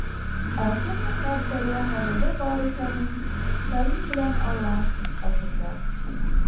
Ә кемнең нәрсәдә гаебе бар икәнен тарих белән Аллаһ ачыклар.